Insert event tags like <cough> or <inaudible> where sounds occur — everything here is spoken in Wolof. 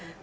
<hesitation> <hesitation>